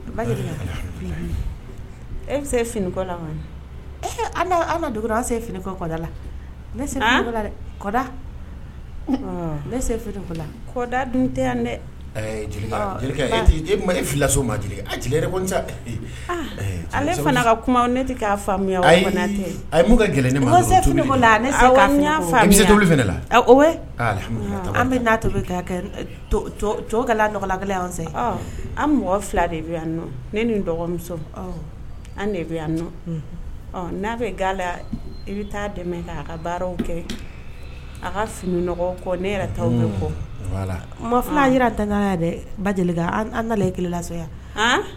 E se fini kɔ ala an fini kɔ kɔda la kɔda kɔda dun tɛ yan dɛ e ma ale ka kuma tɛ k' faamuya gɛlɛn an bɛ n'a tɔ kɛ dɔgɔ yan an mɔgɔ fila de bɛ yan nɔ ne nin dɔgɔ an bɛ yan nɔ n'a bɛ ga la e bɛ taa dɛmɛ a ka baaraw kɛ a ka finiɔgɔ kɔ ne yɛrɛ taa kɔ ma fila jira ta dɛ balaya